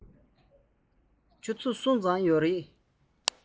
ཆུ ཚོད གསུམ ཙམ ཡོད རེད